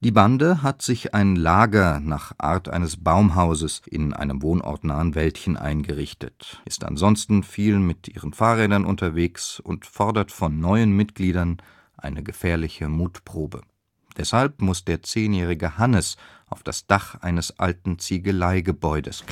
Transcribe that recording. Bande hat sich ein Lager nach Art eines Baumhauses in einem wohnortnahen Wäldchen eingerichtet, ist ansonsten viel mit ihren Fahrrädern unterwegs und fordert von neuen Mitgliedern eine gefährliche Mutprobe: Deshalb muss der zehnjährige Hannes auf das Dach eines alten Ziegeleigebäudes